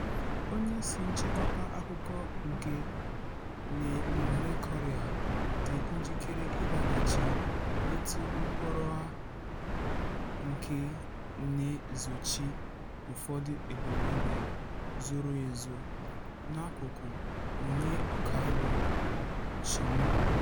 Onyeisi nchịkọta akụkọ nke "Le Nouveau Courrier" dị njikere ịlaghachi n'ịtụ mkpọrọ a nke na-ezochi ụfọdụ ebumnobi zoro ezo n'akụkụ onye ọkaiwu Tchimou.